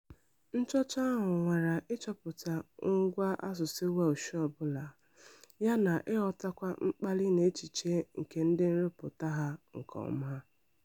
Nchọcha ahụ nwara ịchọpụta ngwa asụsụ Welsh ọbụla, ya na ịghọtakwa mkpali na echiche nke ndị nrụpụta ha nke ọma.